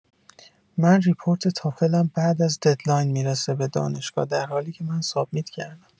من ریپورت تافلم بعد از ددلاین می‌رسه به دانشگاه در حالیکه من سابمیت کردم!